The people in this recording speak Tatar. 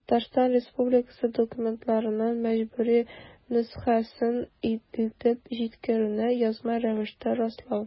Татарстан Республикасы документларының мәҗбүри нөсхәсен илтеп җиткерүне язма рәвештә раслау.